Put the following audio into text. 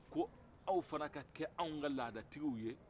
ko aw fɛnɛ ka k'anw ka ladatigiw ye